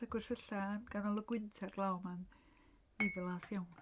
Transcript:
'Sa gwersylla yn ganol y gwynt a'r glaw 'ma yn ddiflas iawn.